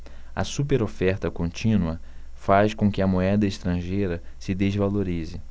a superoferta contínua faz com que a moeda estrangeira se desvalorize